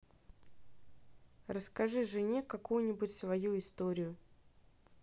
расскажи жене какую нибудь свою историю